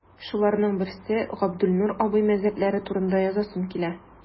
Шуларның берсе – Габделнур абый мәзәкләре турында язасым килә.